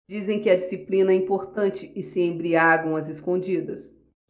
dizem que a disciplina é importante e se embriagam às escondidas